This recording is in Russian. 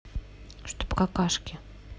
чтоб какашки